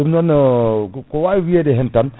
ɗum noon ko wawi woyede hen tan